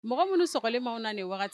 Mɔgɔ minnu skɔlimaw na nin wagati